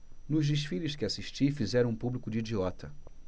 nos desfiles que assisti fizeram o público de idiota